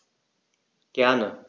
Gerne.